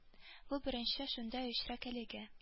Бу беренче шундый очрак әлегә